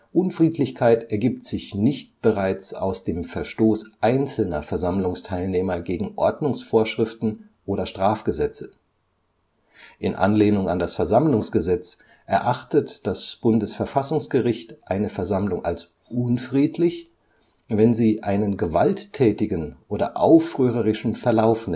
Unfriedlichkeit ergibt sich nicht bereits aus dem Verstoß einzelner Versammlungsteilnehmer gegen Ordnungsvorschriften oder Strafgesetze. In Anlehnung an das Versammlungsgesetz erachtet das Bundesverfassungsgericht eine Versammlung als unfriedlich, wenn sie einen gewalttätigen oder aufrührerischen Verlauf